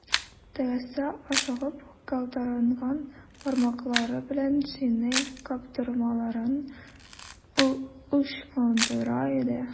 Тегесе ашыгып, калтыранган бармаклары белән шинель каптырмаларын ычкындыра иде.